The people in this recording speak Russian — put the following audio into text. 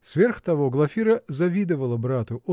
Сверх того, Глафира завидовала брату